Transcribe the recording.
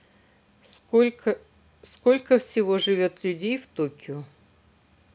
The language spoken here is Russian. сколько всего живет людей в токио